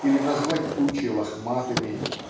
или назвать тучи лохматыми